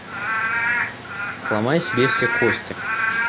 сломай себе все кости